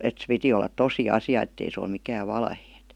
että se piti olla tosi asia että ei se ole mikään valhe